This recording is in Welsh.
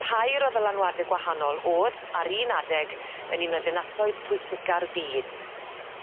Pair o ddylanwade gwahanol o'dd, ar un adeg yn un o ddinasoedd pwysica'r byd.